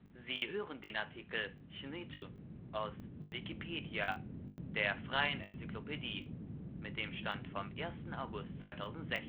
Sie hören den Artikel Sinŭiju, aus Wikipedia, der freien Enzyklopädie. Mit dem Stand vom Der